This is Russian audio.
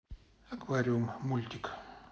аквариум мультик